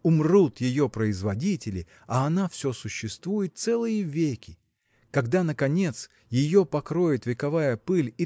умрут ее производители, а она все существует целые веки. Когда наконец ее покроет вековая пыль